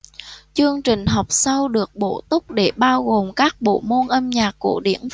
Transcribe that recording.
chương trình học sau được bổ túc để bao gồm các bộ môn âm nhạc cổ điển